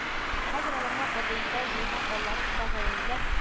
Хәзер аларга БэДэИда җыйган балларын тәгаенләп